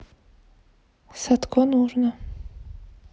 садко нужно